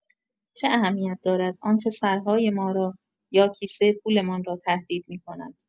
چه اهمیت دارد آنچه سرهای ما را، یا کیسه پولمان را تهدید می‌کند!